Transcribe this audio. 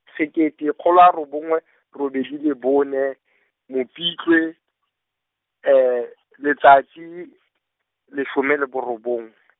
sekete kgolo a robongwe, robedi le bone, Mopitlwe, letsatsi, lesome le bo robongwe.